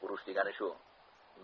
urush degani shu